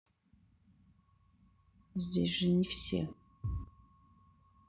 здесь же не все